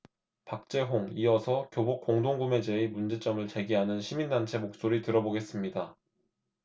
박재홍 이어서 교복공동구매제의 문제점을 제기하는 시민단체 목소리 들어보겠습니다